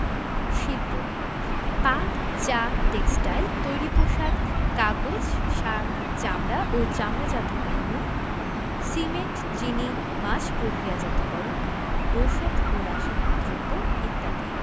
শিল্পঃ পাট চা টেক্সটাইল তৈরি পোশাক কাগজ সার চামড়া ও চামড়াজাত পণ্য সিমেন্ট চিনি মাছ প্রক্রিয়াজাতকরণ ঔষধ ও রাসায়নিক দ্রব্য ইত্যাদি